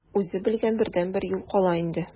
Үзе белгән бердәнбер юл кала инде.